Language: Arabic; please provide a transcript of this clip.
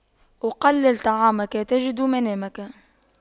أقلل طعامك تجد منامك